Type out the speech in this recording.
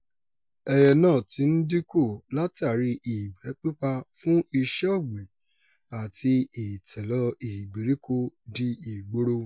Ẹyẹ náà ti ń dínkù látàrí ìgbẹ́ pípa fún iṣẹ́ ọ̀gbìn àti ìtẹ́lọ ìgbèríko di ìgboro.